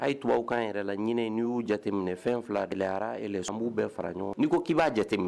A' t b aw ka kan yɛrɛ la ɲinininɛ n' y'u jateminɛ fɛn fila gɛlɛyayararae san bbuu bɛɛ fara ɲɔgɔn n'i ko k' b'a jateminɛ